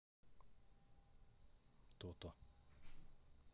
то то